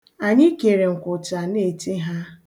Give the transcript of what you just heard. Anyị kere nkwụcha na-eche ha.